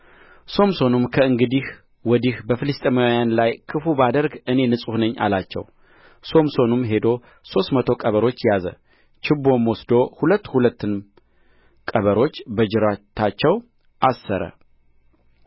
ሶምሶንም ከእንግዲህ ወዲህ በፍልስጥኤማውያን ላይ ክፉ ባደርግ እኔ ንጹሕ ነኝ አላቸው ሶምሶንም ሄዶ ሦስት መቶ ቀበሮች ያዘ ችቦም ወስዶ ሁለት ሁለቱንም ቀበሮዎች በጅራታቸው አሰረ